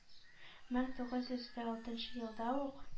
Мең тугыз йөз дә алтынчы елда ук